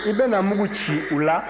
i bɛ na mugu ci u la